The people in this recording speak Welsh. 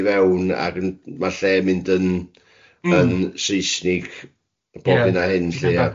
i fewn ac yn... ma'r lle'n mynd yn... mm... yn Seisnig bob hyn a hyn lly, ia.